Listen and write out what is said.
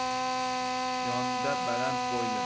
yonida baland bo'yli